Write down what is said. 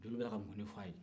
dɔw b'a la ka mun de f'a ye